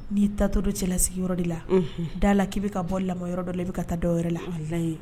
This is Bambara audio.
N'i tato cɛla sigiyɔrɔ yɔrɔ de la da la k'i bɛ ka bɔ lamɔ yɔrɔ dɔ i bɛ ka taa da yɔrɔ la halila